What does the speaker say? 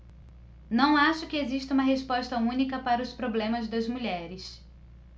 não acho que exista uma resposta única para os problemas das mulheres